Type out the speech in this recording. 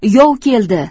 yov keldi